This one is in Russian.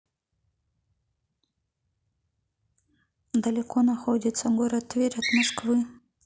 далеко находится город тверь от москвы